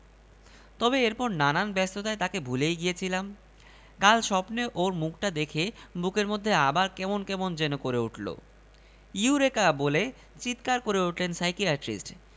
মন্ত্রীকে চেম্বারে ঢুকতে দেখে সাইকিয়াট্রিস্ট চেয়ার ছেড়ে উঠে এলেন হ্যান্ডশেক করলেন হাত কচলে বললেন আরে মন্ত্রী মহোদয় যে গরিবের চেম্বারে হাতির পাড়া